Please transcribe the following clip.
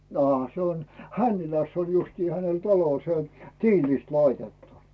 aa se on Hännilässä on justiin hänellä talo se on tiilistä laitettu